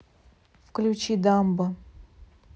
включи дамбо